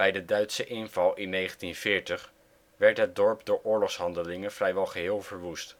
de Duitse inval in 1940 werd het dorp door oorlogshandelingen vrijwel geheel verwoest